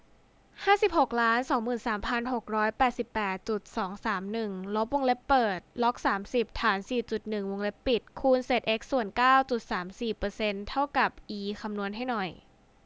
ห้าสิบหกล้านสองหมื่นสามพันหกร้อยแปดสิบแปดจุดสองสามหนึ่งลบวงเล็บเปิดล็อกสามสิบฐานสี่จุดหนึ่งวงเล็บปิดคูณเศษเอ็กซ์ส่วนเก้าจุดสามสี่เปอร์เซ็นต์เท่ากับอีคำนวณให้หน่อย